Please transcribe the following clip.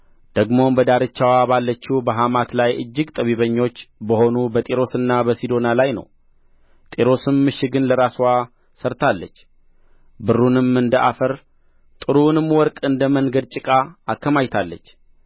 ደግሞም በዳርቻዋ ባለችው በሐማት ላይ እጅግ ጠቢበኞች በሆኑ በጢሮስና በሲዶና ላይ ነው ጢሮስም ምሽግን ለራስዋ ሠርታለች ብሩንም እንደ አፈር ጥሩውንም ወርቅ እንደ መንገድ ጭቃ አከማችታለች